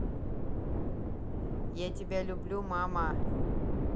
я тебя люблю мама